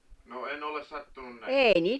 no en ole - sattunut - näkemään